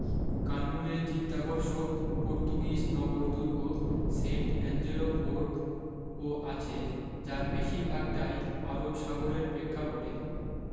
কান্নুরে চিত্তাকর্ষক পর্তুগীজ নগরদুর্গ Saint Angelo fort ও আছে যার বেশিরভাগটাই আরব সাগরের প্রেক্ষাপটে